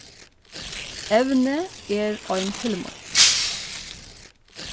evnið er ein filmur